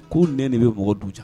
Ko nɛ de bɛ mɔgɔ dun ja